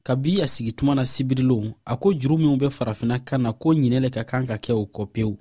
kabi a sigituma na sibiridon a ko juru minw bɛ farafinna kanna ko ɲinɛ ka kan ka kɛ u kɔ dɛ pewu